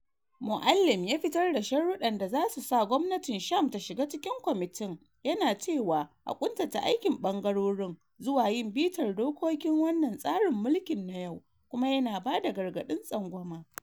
Moualem ya fitar da sharruɗan da zasu sa gwamnatin Sham ta shiga cikin kwamitin, yana cewa a kuntata aikin bangarorin “zuwa yin bitar dokokin wannan tsarin mulkin na yau,” kuma yana bada gargaɗin tsangwama.